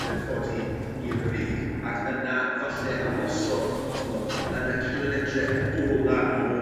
yn codi i'r brig ac yna falle ymosod t'mod yn y cilometre ola... Hmm. ...o